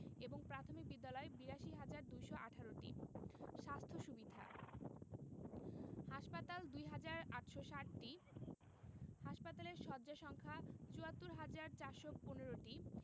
এবং প্রাথমিক বিদ্যালয় ৮২হাজার ২১৮টি স্বাস্থ্য সুবিধাঃ হাসপাতাল ২হাজার ৮৬০টি হাসপাতালের শয্যা সংখ্যা ৭৪হাজার ৪১৫টি